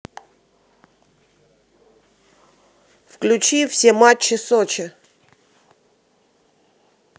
включи все матчи сочи